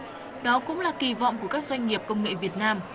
đó cũng là kỳ vọng của các doanh nghiệp công nghệ việt nam